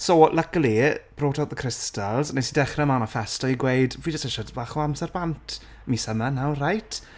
so luckily, brought out the crystals. Nes i dechre maniffesto i gweud fi jyst isie tipyn bach o amser bant mis yma nawr, reit?